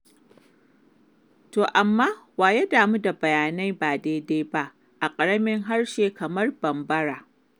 To amma wa ya damu da bayanai ba daidai ba a ƙaramin harshe kamar Bambara?